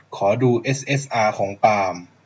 ขอดูเอสเอสอาของปาล์ม